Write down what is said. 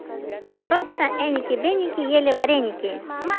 а вы просто эники беники ели вареники